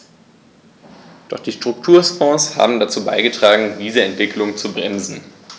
Doch die Strukturfonds haben dazu beigetragen, diese Entwicklung zu bremsen.